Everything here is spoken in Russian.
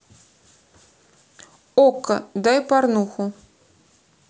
окко дай порнуху